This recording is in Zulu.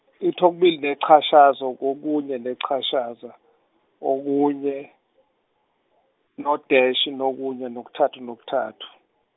ithi okubili nechashaza, okunye nechashaza, okunye, no- dash, nokunye nokuthathu nokuthathu.